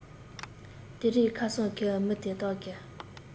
དེ རིང ཁ སང གི མི དེ དག གིས